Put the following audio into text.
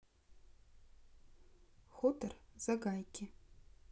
хутор за гайки